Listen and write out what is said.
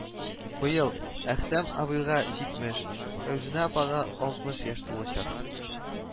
Быел Әхтәм абыйга җитмеш, Фәйзүнә апага алтмыш яшь тулачак